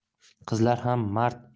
qizlar ham mard